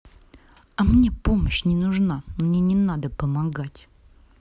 а мне помощь не нужна мне не надо помогать